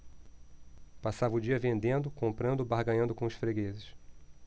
passava o dia vendendo comprando barganhando com os fregueses